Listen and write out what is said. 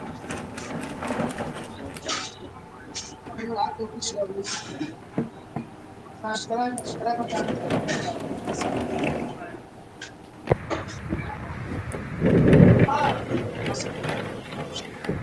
Waa gabar wax ku qorayso qalin bay gacanta ku haysaa sawirada caddaan ayaa hor taalla